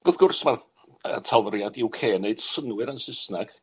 Wrth gwrs, mae'r yy yalfyriad You Kay yn neud synnwyr yn Sysnag